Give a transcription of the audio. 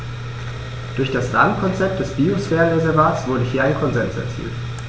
Durch das Rahmenkonzept des Biosphärenreservates wurde hier ein Konsens erzielt.